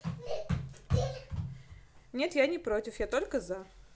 нет я не против я только за